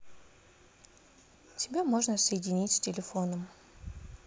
тебя можно соединить с телефоном